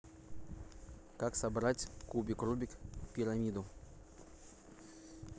как собрать кубик рубик пирамиду